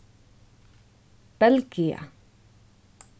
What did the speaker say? belgia